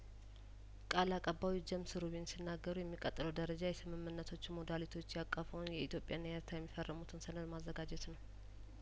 ቃል አቀባዩ ጀምስ ሩቢን ሲናገሩ የሚቀጥለው ደረጃ የስምምነቶቹን ሞዳሊቲዎች ያቀፈውን የኢትዮጵያ ና ኤርትራ የሚፈርሙትን ሰነድ ማዘጋጀት ነው